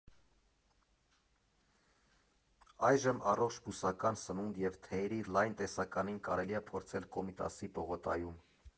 Այժմ առողջ բուսական սնունդ և թեյերի լայն տեսականին կարելի է փորձել Կոմիտասի պողոտայում։